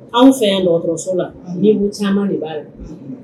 Anw fɛ dɔgɔtɔrɔso la ni caman de b'a la